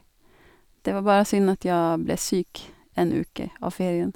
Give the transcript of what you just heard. Det var bare synd at jeg ble syk en uke av ferien.